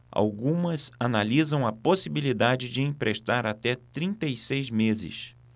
algumas analisam a possibilidade de emprestar até trinta e seis meses